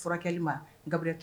Furakɛli ma Gabiriyɛli T